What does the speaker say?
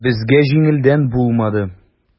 Безгә җиңелдән булмады.